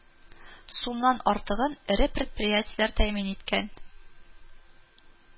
Сумнан артыгын эре предприятиеләр тәэмин иткән